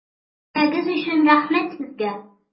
Әңгәмәгез өчен рәхмәт сезгә!